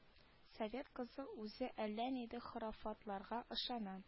Совет кызы үзе әллә нинди хорафатларга ышана